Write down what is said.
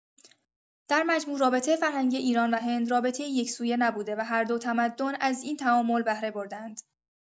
در مجموع، رابطه فرهنگی ایران و هند رابطه‌ای یک‌سویه نبوده و هر دو تمدن از این تعامل بهره برده‌اند.